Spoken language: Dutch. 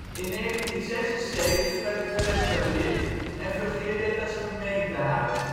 In 1976 werd het gerestaureerd en fungeerde het als gemeentehuis